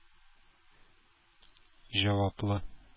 Җаваплы